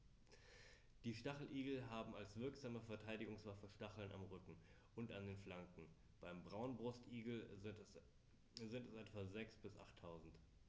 Die Stacheligel haben als wirksame Verteidigungswaffe Stacheln am Rücken und an den Flanken (beim Braunbrustigel sind es etwa sechs- bis achttausend).